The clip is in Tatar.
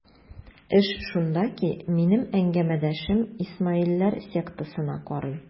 Эш шунда ки, минем әңгәмәдәшем исмаилләр сектасына карый.